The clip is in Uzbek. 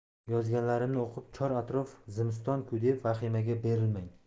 yozganlarimni o'qib chor atrof zimiston ku deb vahimaga berilmang